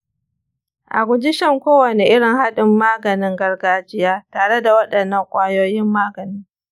a guji shan kowane irin haɗin maganin gargajiya tare da waɗannan kwayoyin maganin.